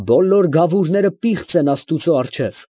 Բոլո՛ր գավուրները պիղծ են աստուծո առջև։